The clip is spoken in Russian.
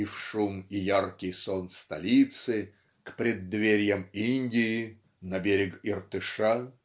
и в шум и яркий сон столицы к преддверьям Индии на берег Иртыша".